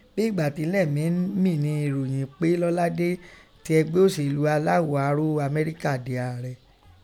Bi igba ti ilẹ mi ni iroyin pe Lọ́ládé ti ẹgbẹ oṣelu Alághọ̀ Aró Amerika di aarẹ.